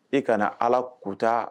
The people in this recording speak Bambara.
E kana ala kuta